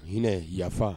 Hinɛ yafa